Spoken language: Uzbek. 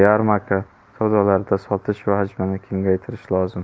va yarmarka savdolarida sotish hajmini kengaytirish lozim